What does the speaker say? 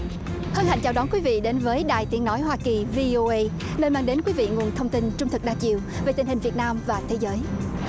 hân hạnh chào đón quý vị đến với đài tiếng nói hoa kỳ vi ô ây nơi mang đến quý vị nguồn thông tin trung thực đa chiều về tình hình việt nam và thế giới